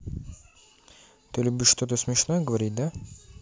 ты любишь что то смешное говорит да